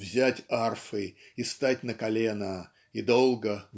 взять арфы и стать на колена и долго